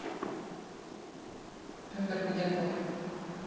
петр ходяков